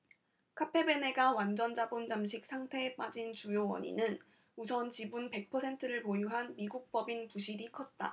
카페베네가 완전자본잠식 상태에 빠진 주요 원인은 우선 지분 백 퍼센트를 보유한 미국법인 부실이 컸다